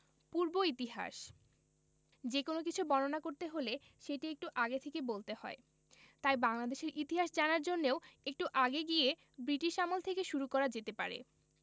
পূর্ব ইতিহাস যেকোনো কিছু বর্ণনা করতে হলে সেটি একটু আগে থেকে বলতে হয় তাই বাংলাদেশের ইতিহাস জানার জন্যেও একটু আগে গিয়ে ব্রিটিশ আমল থেকে শুরু করা যেতে পারে